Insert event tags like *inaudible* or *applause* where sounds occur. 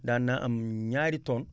daan naa am *hesitation* ñaari tonnes